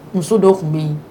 Muso dɔ tun bɛ yen